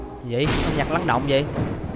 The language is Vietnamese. gì giậy sao nhạc lắng đọng vậy